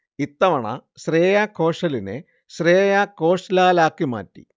ഇത്തവണ ശ്രേയാ ഘോഷലിനെ ശ്രേയാ ഘോഷ്ലാലാക്കി മാറ്റി